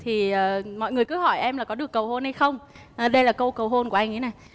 thì ờ mọi người cứ hỏi em là có được cầu hôn hay không ờ đây là câu cầu hôn của anh ấy này